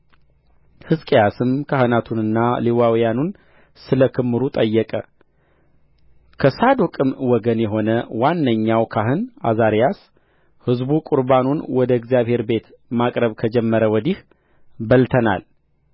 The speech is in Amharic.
ሕዝቅያስም ካህናቱንና ሌዋውያኑን ስለ ክምሩ ጠየቀ ከሳዶቅም ወገን የሆነ ዋነኛው ካህን ዓዛሪያስ ሕዝቡ ቍርባኑን ወደ እግዚአብሔር ቤት ማቅረብ ከጀመረ ወዲህ በልተናል